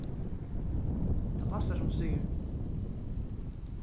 tað passar sum tú sigur